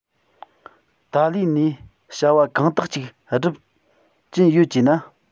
ཏཱ ལའི ནས བྱ བ གང དག ཅིག སྒྲུབ ཀྱིན ཡོད ཅེ ན